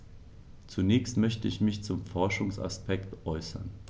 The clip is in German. Zunächst möchte ich mich zum Forschungsaspekt äußern.